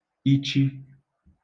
īchī